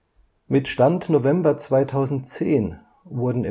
2010 wurden